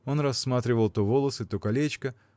Он рассматривал то волосы, то колечко